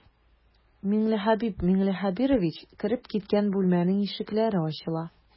Миңлехәбиб миңлехәбирович кереп киткән бүлмәнең ишекләре ачыла.